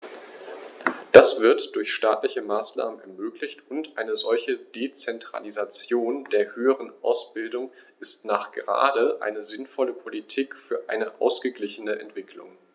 Das wird durch staatliche Maßnahmen ermöglicht, und eine solche Dezentralisation der höheren Ausbildung ist nachgerade eine sinnvolle Politik für eine ausgeglichene Entwicklung.